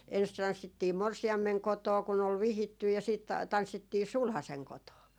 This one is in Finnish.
ensin tanssittiin morsiamen kotona kun oli vihitty ja sitten tanssittiin sulhasen kotona